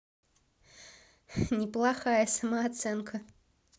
неплохая самооценка